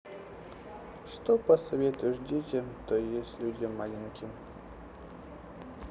что посоветуешь детям то есть людям маленьким